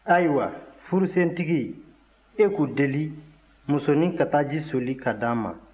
ayiwa furusentigi e k'u deli musonin ka taa ji soli k'a di an ma